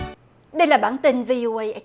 đây là bản tin vi ô ây ịch